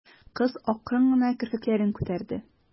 Кыз акрын гына керфекләрен күтәрде.